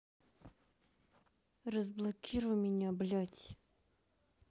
разблокируй меня блядь